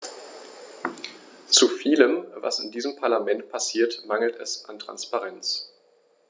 Zu vielem, was in diesem Parlament passiert, mangelt es an Transparenz.